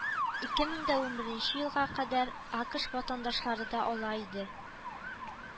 Ике мең дә унберенче елга кадәр акыш ватандашлары да ала иде